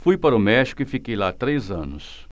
fui para o méxico e fiquei lá três anos